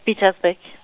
Pietersburg.